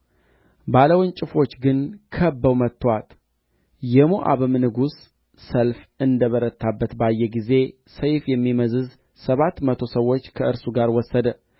ሁሉ ላይ እስኪሞሉ ድረስ እያንዳንዱ ሰው አንድ አንድ ድንጋይ ይጥል ነበር የውኃውንም ምንጮች ሁሉ ደፈኑ